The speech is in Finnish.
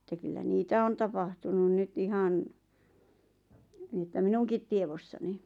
että kyllä niitä on tapahtunut nyt ihan niin että minunkin tiedossani